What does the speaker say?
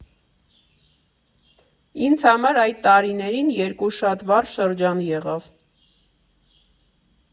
Ինձ համար այդ տարիներին երկու շատ վառ շրջան եղավ։